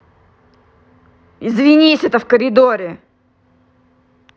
извинись это в коридоре